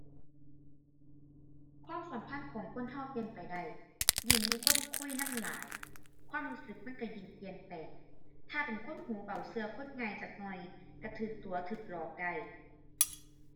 ความสัมพันธ์ของคนเราเปลี่ยนไปได้ ยิ่งมีคนคุยนำหลายความรู้สึกมันเรายิ่งเปลี่ยนแปลง ถ้าเป็นคนหูเบาเราคนง่ายจักหน่อยเราเราตั๋ว เราหลอกได้